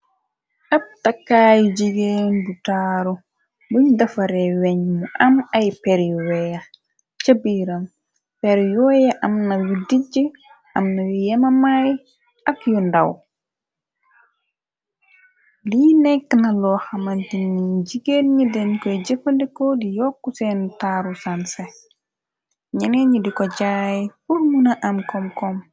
Ab takkaayu jigeen bu taaru luñ dafare weñ mu am ay periweex ca biiram perioye amna yu dijj amna yu yemamaay ak yu ndàw lii nekk na loo xamante ni jigeen ñi den koy jëfandeko di yokk seen taaru sanse ñenee ñi di ko jaay pur muna am kom-kom.